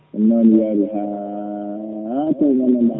ɗum noon yo ha *